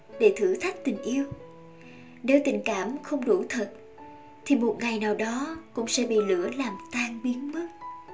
để thử thách tình yêu nếu tình cảm không đủ thật thì một ngày nào cũng sẽ bị lửa làm tan biến mất